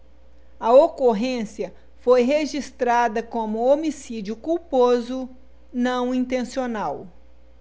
a ocorrência foi registrada como homicídio culposo não intencional